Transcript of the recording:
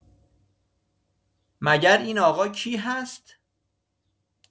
مگر این آقا کی هست؟